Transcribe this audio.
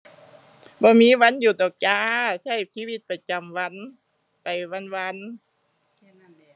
บ่มีวันหยุดดอกจ้า ใช้ชีวิตประจำวันไปวันวัน แค่นั้นแหละ